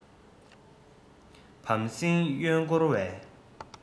བམ སྲིང གཡོན སྐོར བས